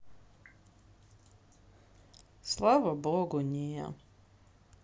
слава богу не